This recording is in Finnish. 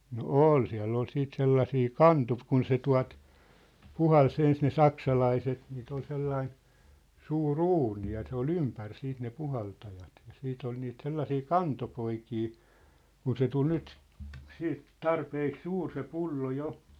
no oli siellä oli sitten sellaisia kun se tuota puhalsi ensin ne saksalaiset niitä oli sellainen suuri uuni ja se oli ympäri sitten ne puhaltajat ja sitten oli niitä sellaisia kantopoikia kun se tuli nyt sitten tarpeeksi suuri se pullo jo